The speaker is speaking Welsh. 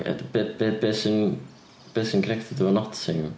Be be be beth sy'n beth sy'n connected efo Nottingham?